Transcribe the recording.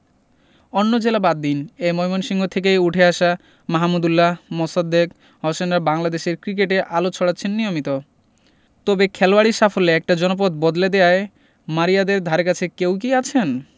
অন্য জেলা বাদ দিন এ ময়মনসিংহ থেকেই উঠে আসা মাহমুদউল্লাহ মোসাদ্দেক হোসেনরা বাংলাদেশ ক্রিকেটে আলো ছড়াচ্ছেন নিয়মিত তবে খেলোয়াড়ি সাফল্যে একটা জনপদ বদলে দেওয়ায় মারিয়াদের ধারেকাছে কেউ কি আছেন